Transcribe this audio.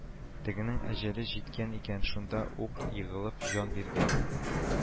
Тегенең әҗәле җиткән икән, шунда ук егылып җан биргән